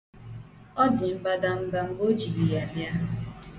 Ọ dị mbadamba mgbe o jiri ya bịa.